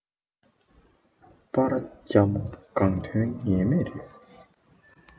སྤ ར ལྕ མོ གང ཐོན ངེས མེད རེད